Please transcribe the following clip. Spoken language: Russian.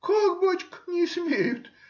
— Как, бачка, не смеют?